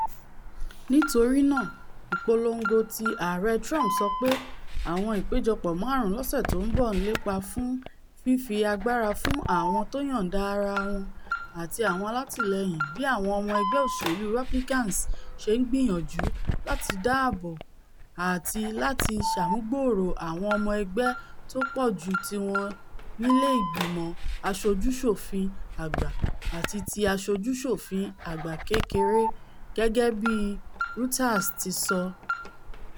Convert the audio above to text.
Nítorínáa, ìpolongo ti Ààrẹ Trump sọ pé àwọn ìpéjọpọ̀ máàrún lọ́sẹ̀ tó ńbọ̀ ńlépa fún ''fífi agbára fún àwọn tóyọ̀ǹda ara wọn àti àwọn alátìlẹ́yìn bí àwọn ọmọ ẹgbẹ́ òṣelú Rebulicans ṣe ńgbìyànjú láti dáàbò àti láti ṣàmúgbòòrò àwọn ọmọ ẹgbẹ́ tópọ̀ju tíwọ́n nílé Ìgbìmọ̀ Aṣojú-ṣòfin Àgbà ati ti Aṣojú-ṣòfin Àgbà kékeré,'' gẹ́gẹ̵̵́bí Reuters ti sọ.